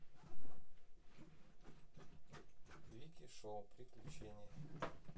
вики шоу приключения